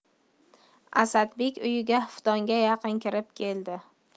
asadbek uyiga xuftonga yaqin kirib keldi